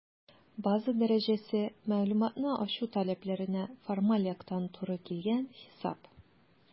«база дәрәҗәсе» - мәгълүматны ачу таләпләренә формаль яктан туры килгән хисап.